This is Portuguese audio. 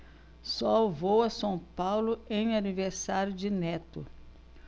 só vou a são paulo em aniversário de neto